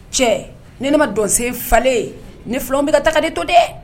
Cɛ ni ne ma donsosen falenle ni filanw bɛ ka taa de to dɛ